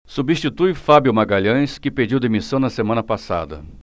substitui fábio magalhães que pediu demissão na semana passada